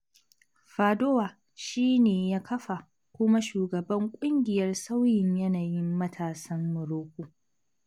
Fadoua shi ne ya kafa kuma shugaban Ƙungiyar Sauyin Yanayin Matasan Morocco.